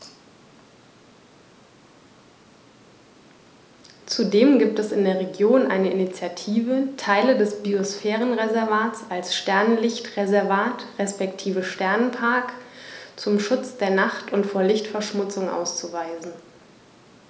Zudem gibt es in der Region eine Initiative, Teile des Biosphärenreservats als Sternenlicht-Reservat respektive Sternenpark zum Schutz der Nacht und vor Lichtverschmutzung auszuweisen.